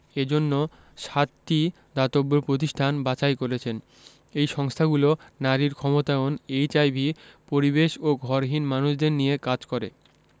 এ জন্য সাতটি দাতব্য প্রতিষ্ঠান বাছাই করেছেন এই সংস্থাগুলো নারীর ক্ষমতায়ন এইচআইভি পরিবেশ ও ঘরহীন মানুষদের নিয়ে কাজ করে